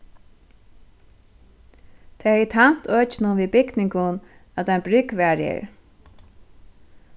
tað hevði tænt økinum við bygningum at ein brúgv var her